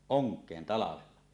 onkeen talvella